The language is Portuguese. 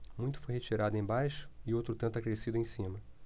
muito foi retirado embaixo e outro tanto acrescido em cima